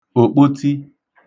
òkpoti